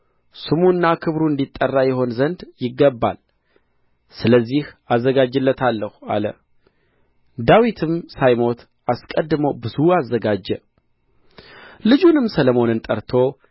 ስሙና ክብሩ እንዲጠራ ይሆን ዘንድ ይገባል ስለዚህ አዘጋጅለታለሁ አለ ዳዊትም ሳይሞት አስቀድሞ ብዙ አዘጋጀ ልጁንም ሰሎሞንን ጠርቶ